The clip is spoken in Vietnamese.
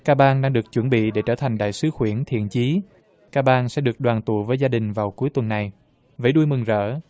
ca bang đã được chuẩn bị để trở thành đại sứ khuyển thiện chí ca bang sẽ được đoàn tụ với gia đình vào cuối tuần này vẫy đuôi mừng rỡ